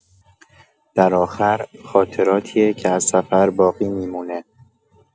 در آخر، خاطراتیه که از سفر باقی می‌مونه.